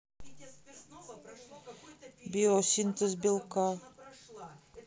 биосинтез белка